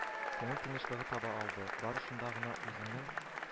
Күңел тынычлыгы таба алды, бары шунда гына үзенең